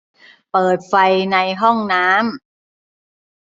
เปิดไฟในห้องน้ำ